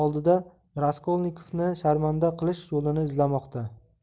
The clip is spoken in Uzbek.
onasi oldida raskolnikovni sharmanda qilish yo'lini izlamoqda